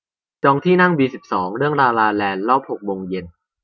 จองที่นั่งบีสิบสองเรื่องลาลาแลนด์รอบหกโมงเย็น